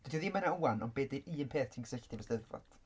Dydy o ddim yna ŵan ond be 'di un peth ti'n cysylltu efo Steddfod?